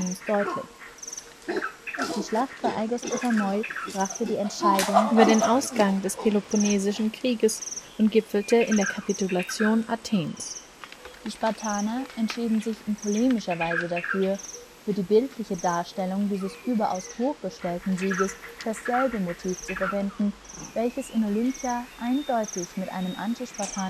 Die Schlacht bei Aigospotamoi brachte die Entscheidung über den Ausgang des Peloponnesischen Krieges und gipfelte in der Kapitulation Athens. Die Spartaner entschieden sich in polemischer Weise dafür, für die bildliche Darstellung dieses überaus hochgestellten Sieges, dasselbe Motiv zu verwenden, welches in Olympia eindeutig mit einem antispartanischen Grundgedanken verknüpft war